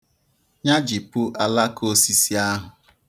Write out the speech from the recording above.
Nyajìpụ alakāosisi ahụ